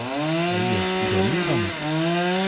Әйе, Доллигамы?